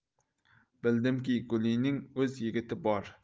bildimki gulining o'z yigiti bor